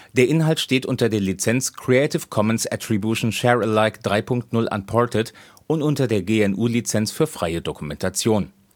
Inhalt steht unter der Lizenz Creative Commons Attribution Share Alike 3 Punkt 0 Unported und unter der GNU Lizenz für freie Dokumentation